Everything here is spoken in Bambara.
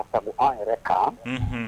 Jamumu an yɛrɛ kan